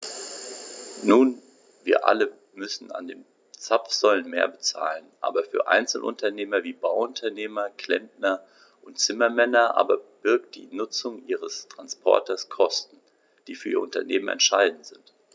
Nun wir alle müssen an den Zapfsäulen mehr bezahlen, aber für Einzelunternehmer wie Bauunternehmer, Klempner und Zimmermänner aber birgt die Nutzung ihres Transporters Kosten, die für ihr Unternehmen entscheidend sind.